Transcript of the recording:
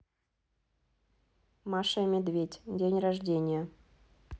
маша и медведь день рождения